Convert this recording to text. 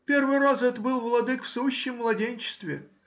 — Первый раз это было, владыко, в сущем младенчестве.